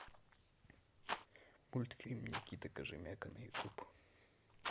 мультфильм никита кожемяка на ютуб